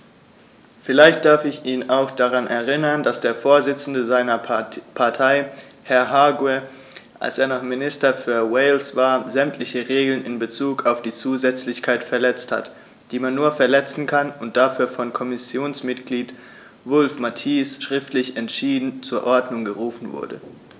Vielleicht darf ich ihn auch daran erinnern, dass der Vorsitzende seiner Partei, Herr Hague, als er noch Minister für Wales war, sämtliche Regeln in bezug auf die Zusätzlichkeit verletzt hat, die man nur verletzen kann, und dafür von Kommissionsmitglied Wulf-Mathies schriftlich entschieden zur Ordnung gerufen wurde.